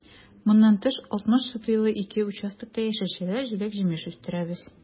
Моннан тыш, 60 сотыйлы ике участокта яшелчәләр, җиләк-җимеш үстерәбез.